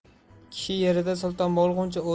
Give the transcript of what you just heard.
kishi yerida sulton bo'lguncha